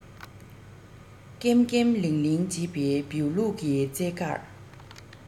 ཀེམ ཀེམ ལིང ལིང བྱེད པའི བེའུ ལུག གི རྩེད གར